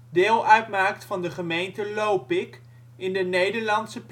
deel uitmaakt van de gemeente Lopik, in de Nederlandse